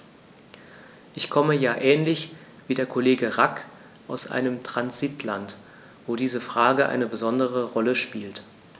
Ich komme ja ähnlich wie der Kollege Rack aus einem Transitland, wo diese Frage eine besondere Rolle spielt.